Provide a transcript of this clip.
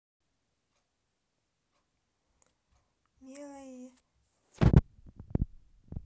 miley cyrus